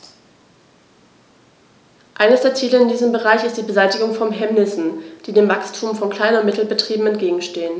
Eines der Ziele in diesem Bereich ist die Beseitigung von Hemmnissen, die dem Wachstum von Klein- und Mittelbetrieben entgegenstehen.